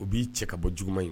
O b'i cɛ ka bɔ jugu ye